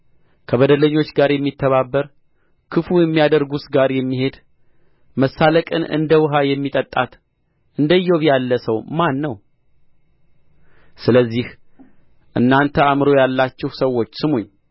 ከበደለኞች ጋር የሚተባበር ክፉ ከሚያደርጉስ ጋር የሚሄድ መሳለቅን እንደ ውኃ የሚጠጣት እንደ ኢዮብ ያለ ሰው ማን ነው ስለዚህ እናንተ አእምሮ ያላችሁ ሰዎች ስሙኝ